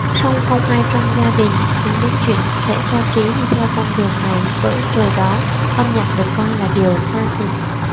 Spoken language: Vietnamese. song không ai trong gia đình tính đến chuyện sẽ cho trí đi theo con đường này bởi thời đó âm nhạc được coi là điều xa xỉ